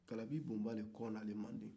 kalabibonba de kɔ nana manden